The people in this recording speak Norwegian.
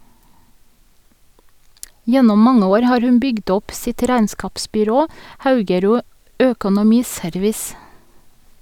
Gjennom mange år har hun bygd opp sitt regnskapsbyrå Haugerud Økonomiservice.